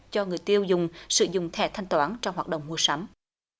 cho người tiêu dùng sử dụng thẻ thanh toán trong hoạt động mua sắm